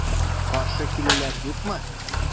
Каршы килүләр юкмы?